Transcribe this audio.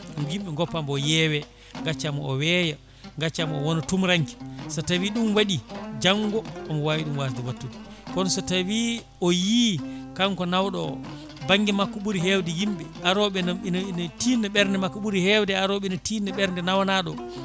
yimɓe goppamo e yeewe gaccama o weeya gaccamo o wona tumuranke so tawi ɗum waɗi janggo omo wawi ɗum wasde wattude kono so tawi o yii kanko nawɗo o banggue makko ɓuuri hewde yimɓe aroɓe ina ina ina tinna ɓernde makko ɓuuri hewde hewde e aroɓe ene tinna ɓernde nawanaɗo o